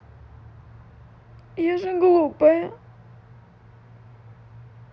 я же глупая